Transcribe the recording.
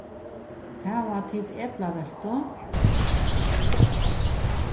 hava tit eplaveltu